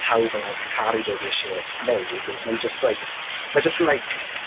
pawb yn like caru be' fi ise neud, ma'n jys like mae jys yn like